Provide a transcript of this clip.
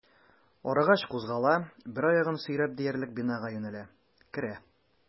Арыгач, кузгала, бер аягын сөйрәп диярлек бинага юнәлә, керә.